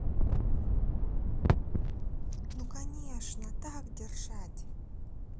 ну конечно так держать